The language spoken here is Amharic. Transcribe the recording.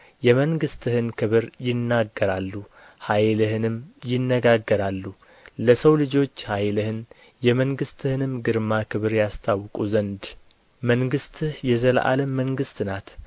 የመንግሥትህን ክብር ይናገራሉ ኃይልህንም ይነጋገራሉ ለሰው ልጆች ኃይልህን የመንግሥትህንም ግርማ ክብር ያስታውቁ ዘንድ መንግሥትህ የዘላለም መንግሥት ናት